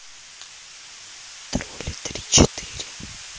тролли три четыре